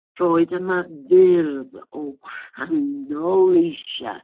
Roedd yma fyrdd o wahanol leisiau.